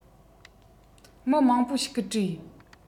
མི མང པོ ཞིག གིས དྲིས